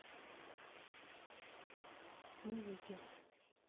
музыки